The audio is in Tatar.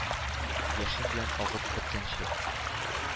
Яшем белән агып беткәнче?